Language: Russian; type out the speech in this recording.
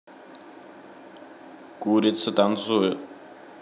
курица танцует